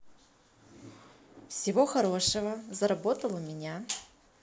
всего хорошего заработал у меня